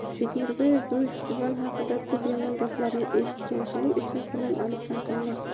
bekmirzaev bu juvon haqida ko'p yomon gaplarni eshitgan shuning uchun salom alik ham qilmasdi